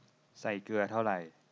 ใส่เกลือเท่าไร